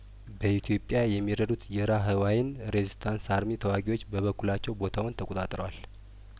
በኢትዮጵያ የሚረዱት የራህዋይን ሬዝ ስታንስ አርሚ ተዋጊዎች በበኩላቸው ቦታውን ተቆጣጥረዋል